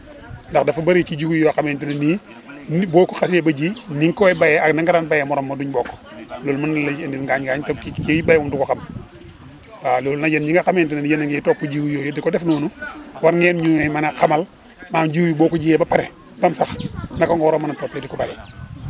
waaw ndax dafa bëri ci jiwu yoo xamante ne nii nit boo ko xasee ba ji ni nga koy bayee ak na nga daan bayee morom ma duñ bokk loolu mun na la si indil ngaañ-ngaañ te ki kiy béy moom du ko xam waaw loolu nag yéen ñi nga xamante ni yéen a ngi topp jiw yooyu di ko def noonu war ngeen ñuy mën a xamal maanaam jiw yi boo ko jiyee ba pare ba mu sax naka nga war a mën a toppee di ko bayee